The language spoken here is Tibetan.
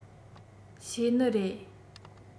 ཤེས ནི རེད